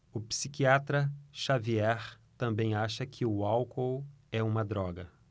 o psiquiatra dartiu xavier também acha que o álcool é uma droga